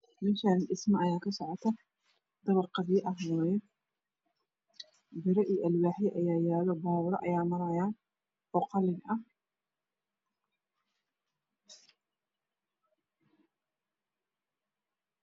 Meshan dhismo aya kasocoto dabaq qabyo ah wayay biro io alwaxyo aya yalo babur ayaa marayo oo qalin ah